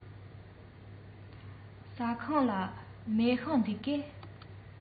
ཟ ཁང ལ མེ ཤིང འདུག གས